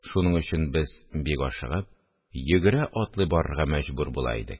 Шуның өчен без бик ашыгып, йөгерә-атлый барырга мәҗбүр була идек